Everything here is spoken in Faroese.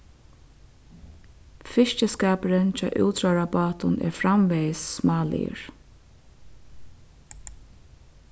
fiskiskapurin hjá útróðrarbátum er framvegis smáligur